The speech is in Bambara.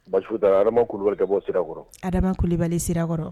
Baasi fosi tɛ, Adama Kulubali ka bɔ Sirakɔrɔ, Adama Coulibali Sirakɔrɔ